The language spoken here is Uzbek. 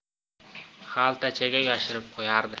xaltachaga yashirib qo'yardi